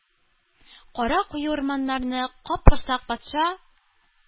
Кара куе урманнарны капкорсак патша